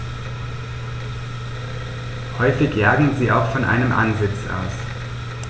Häufig jagen sie auch von einem Ansitz aus.